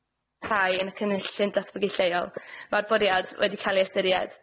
tai yn y cynllun datbygu lleol ma'r bwriad wedi cal ei ystyried.